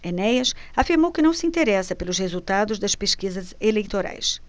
enéas afirmou que não se interessa pelos resultados das pesquisas eleitorais